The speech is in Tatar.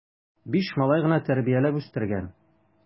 Биш малай гына тәрбияләп үстергән!